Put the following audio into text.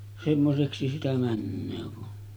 semmoiseksi sitä menee kun